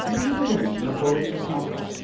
A mae'r un peth yn wir yn y bywyd Cristnogol.